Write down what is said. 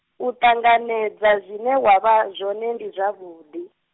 u ṱanganedza zwine wavha zwone ndi zwavhuḓi.